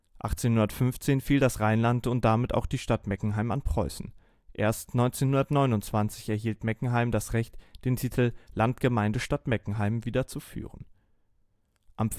1815 fiel das Rheinland und damit auch die Stadt Meckenheim an Preußen. Erst 1929 erhielt Meckenheim das Recht, den Titel „ Landgemeinde Stadt Meckenheim “wieder zu führen. Eine